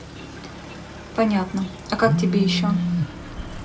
понятно а как тебе еще